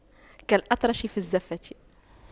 كالأطرش في الزَّفَّة